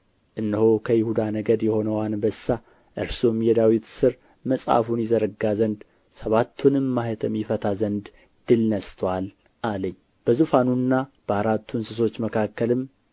እነሆ ከይሁዳ ነገድ የሆነው አንበሳ እርሱም የዳዊት ሥር መጽሐፉን ይዘረጋ ዘንድ ሰባቱንም ማኅተም ይፈታ ዘንድ ድል ነሥቶአል አለኝ በዙፋኑና በአራቱ እንስሶች መካከልም